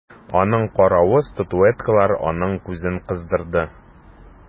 Аның каравы статуэткалар аның күзен кыздырды.